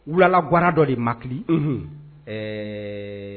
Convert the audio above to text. Wulala ganwa dɔ de maki ɛɛ